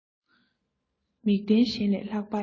མིག ལྡན གཞན ལས ལྷག པར མགྱོགས